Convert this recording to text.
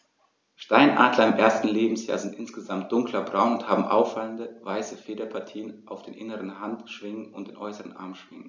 Steinadler im ersten Lebensjahr sind insgesamt dunkler braun und haben auffallende, weiße Federpartien auf den inneren Handschwingen und den äußeren Armschwingen.